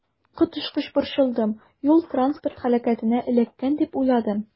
Коточкыч борчылдым, юл-транспорт һәлакәтенә эләккән дип уйладым.